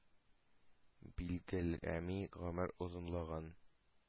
Билгеләми гомер озынлыгын